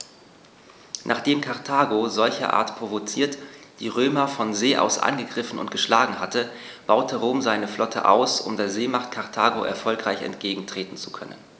Nachdem Karthago, solcherart provoziert, die Römer von See aus angegriffen und geschlagen hatte, baute Rom seine Flotte aus, um der Seemacht Karthago erfolgreich entgegentreten zu können.